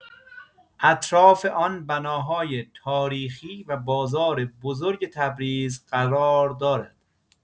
اطراف آن بناهای تاریخی و بازار بزرگ تبریز قرار دارد.